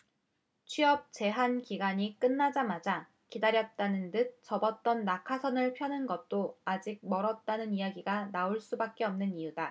취업제한 기간이 끝나자마자 기다렸다는 듯 접었던 낙하산을 펴는 것도 아직 멀었다는 얘기가 나올 수밖에 없는 이유다